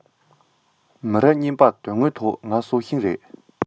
མི རབས གཉིས པར དོན དངོས ཐོག ང སྲོག ཤིང རེད